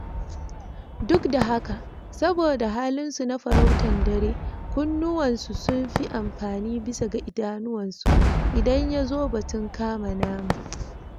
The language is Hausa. Duk da haka, saboda halin su na farautan dare kunnuwan su sun fi amfani bisa ga idanuwansu idan yazo batun kama nama.